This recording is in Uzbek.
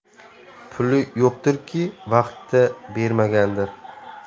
puli yo'qdirki vaqtida bermagandir